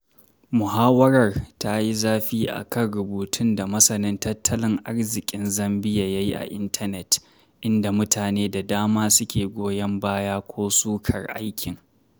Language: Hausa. Muhawarar ta yi zafi a kan rubutun da masanin tattalin arzikin Zambia ya yi a intanet, inda mutane da dama suke goyon baya ko sukar aikin.